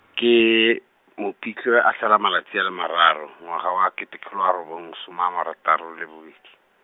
ke, e Mopitlwe a tlhola malatsi a le mararo, ngwaga wa kete kgolo a robong soma a marataro le bobedi.